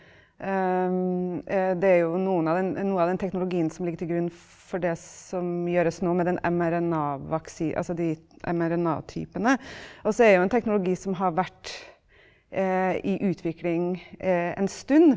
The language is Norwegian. det er jo noen av den noe av den teknologien som ligger til grunn for det som gjøres nå med den M R N A-vaksi , altså de MRNA-typene altså det er jo en teknologi som har vært i utvikling en stund.